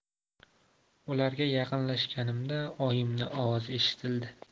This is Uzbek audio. ularga yaqinlashganimda oyimni ovozi eshitildi